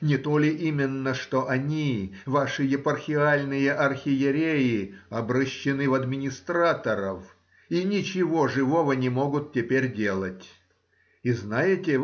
Не то ли именно, что они, ваши епархиальные архиереи, обращены в администраторов и ничего живого не могут теперь делать? И знаете